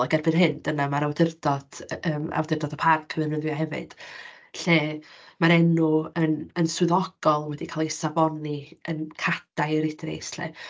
Ac erbyn hyn, dyna mae'r awdurdod, yy yym awdurdod y Parc yn ddefnyddio hefyd, lle ma'r enw yn yn swyddogol wedi cael ei safoni yn Cadair Idris 'lly.